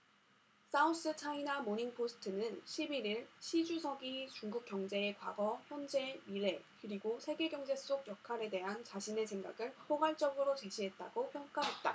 사우스차이나모닝포스트는 십 일 일 시 주석이 중국 경제의 과거 현재 미래 그리고 세계경제 속 역할에 대한 자신의 생각을 포괄적으로 제시했다고 평가했다